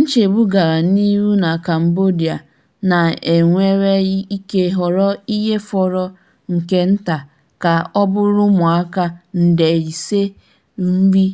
Nchegbu gara n'ihu na Cambodia na e nwere ike ghọọ ihe fọrọ nke nta ka ọ bụrụ ụmụaka 500,000 nri